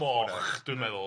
am foch dwi'n meddwl.